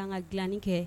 ' ka dilanni kɛ